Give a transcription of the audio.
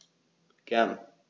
Gern.